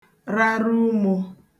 rara umō